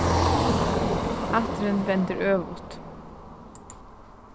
hatturin vendir øvugt